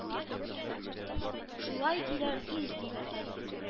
Шулай диләр ич диде хәниф